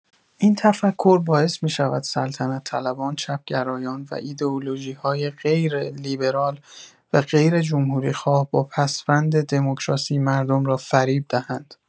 این تفکر باعث می‌شود سلطنت طلبان، چپ گرایان و ایدئولوژی‌های غیر لیبرال و غیر جمهوری‌خواه با پسوند دموکراسی، مردم را فریب دهند.